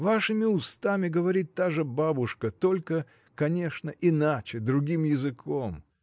Вашими устами говорит та же бабушка, только, конечно, иначе, другим языком.